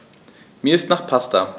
Mir ist nach Pasta.